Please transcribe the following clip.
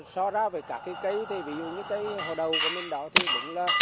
so ra với cả cây cấy thì ví dụ như cây họ đậu của mình đó thì đúng là